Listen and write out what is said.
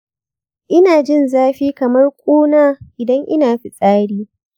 ina jin zafi kamar kuna idan ina fitsari.